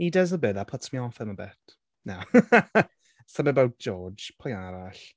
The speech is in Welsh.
He does a bit, that puts me off him a bit. Na! Something about George. Pwy arall?